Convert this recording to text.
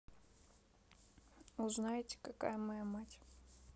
узнайте какая моя мать